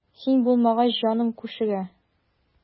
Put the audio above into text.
Син булмагач җаным күшегә.